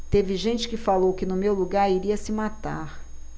teve gente que falou que no meu lugar iria se matar